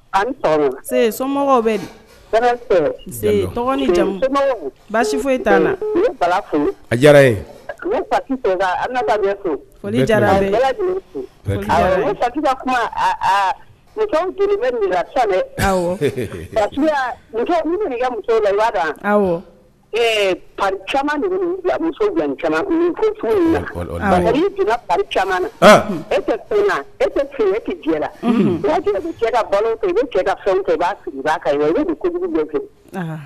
Somɔgɔw bɛ basi foyi muso b'a caman e tɛ e tɛ la ka e